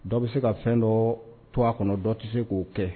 Dɔ bɛ se ka fɛn dɔ to a kɔnɔ dɔ tɛ se k'o